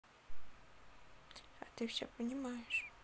а ты все понимаешь